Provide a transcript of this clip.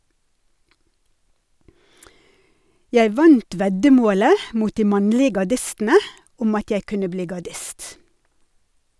Jeg vant veddemålet mot de mannlige gardistene om at jeg kunne bli gardist.